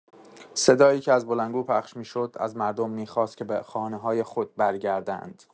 صدایی که از بلندگو پخش می‌شد، از مردم می‌خواست که به خانه‌های خود برگردند.